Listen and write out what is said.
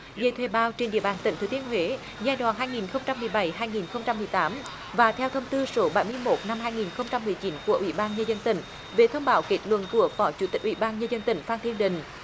dây thuê bao trên địa bàn tỉnh thừa thiên huế giai đoạn hai nghìn không trăm mười bảy hai nghìn không trăm mười tám và theo thông tư số bảy một năm hai nghìn không trăm mười chín của ủy ban nhân dân tỉnh về thông báo kết luận của phó chủ tịch ủy ban nhân dân tỉnh phan thiên đình